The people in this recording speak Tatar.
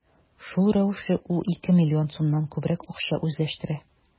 Шул рәвешле ул ике миллион сумнан күбрәк акча үзләштерә.